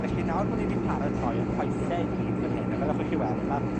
Felly, nawr bo' ni 'di paratoi'r coese i gyd fan hyn, a fel allwch chi weld ma'